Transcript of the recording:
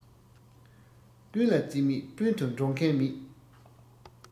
ཀུན ལ རྩིས མེད སྤུན དུ འགྲོག མཁན མེད